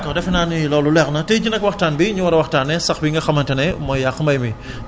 d' accord defe naa ni loolu leer na tay jii nag waxtaan bii ñu war a waxtaanee sax bi nga xamante nemooy yàq mbay mi